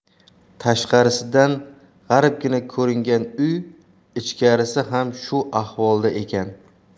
tashqarisidan g'aribgina ko'ringan uy ichkarisi ham shu ahvolda ekan